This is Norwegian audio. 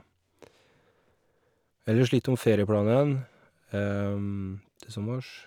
Ellers litt om ferieplanene til sommers.